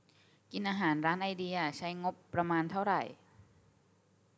กินอาหารร้านไอเดียใช้งบประมาณเท่าไหร่